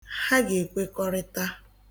Ha ga-ekwekọrịta.